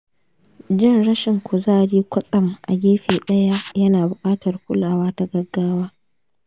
jin rashin kuzari kwatsam a gefe ɗaya yana buƙatar kulawa ta gaggawa.